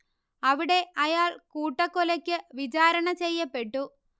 അവിടെ അയാൾ കൂട്ടക്കൊലയ്ക്ക് വിചാരണ ചെയ്യപ്പെട്ടു